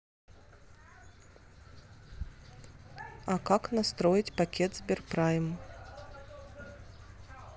а как настроить пакет сберпрайм